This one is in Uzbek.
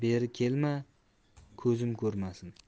beri kelma ko'zim ko'rmasin